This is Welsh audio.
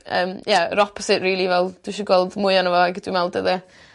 yym ie yr opposite rili fel dwi isio gweld mwy o'no fo ag y dwi'n me'wl dylie